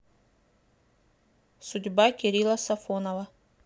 судьба кирилла сафонова